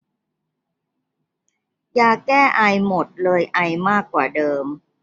ยาแก้ไอหมดเลยไอมากกว่าเดิม